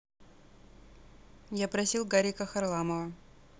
я просил гарика харламова